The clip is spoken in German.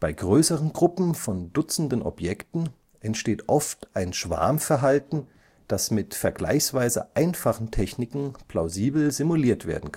größeren Gruppen von dutzenden Objekten entsteht oft ein Schwarmverhalten, das mit vergleichsweise einfachen Techniken plausibel simuliert werden